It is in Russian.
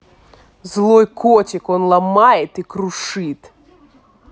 злой котик он ломает крушит